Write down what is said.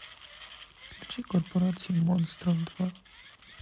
включи корпорацию монстров два